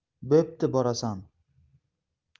bo'pti borasan